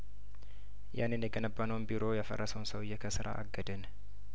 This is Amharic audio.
ያንን የገነባ ነውን ቢሮ ያፈረሰውን ሰውዬ ከስራ አገድን